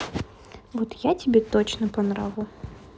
вот я тебе точно по нраву